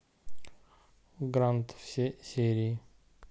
гранд все серии